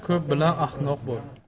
ko'p bilan ahtnoq bo'l